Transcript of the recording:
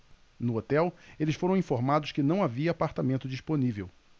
no hotel eles foram informados que não havia apartamento disponível